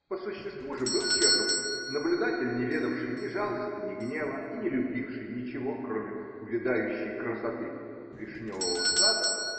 По существу же был Чехов наблюдатель, не ведавший ни жалости, ни гнева и не любивший ничего, кроме увядающей красоты вишневого сада